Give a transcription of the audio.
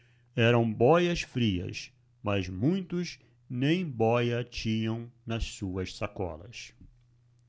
eram bóias-frias mas muitos nem bóia tinham nas suas sacolas